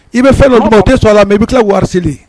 I bɛ fɛn dɔ o tɛ so la i bɛ tila warisi